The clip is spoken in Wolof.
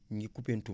ñu ngi Koupentoun